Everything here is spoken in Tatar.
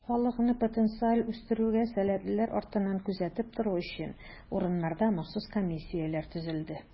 Халыкны потенциаль үстерүгә сәләтлеләр артыннан күзәтеп тору өчен, урыннарда махсус комиссияләр төзелде.